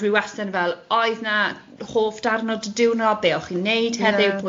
dwi wastad yn fel, oedd 'na hoff darn o dy diwrnod, be o'ch chi'n wneud heddiw, ie.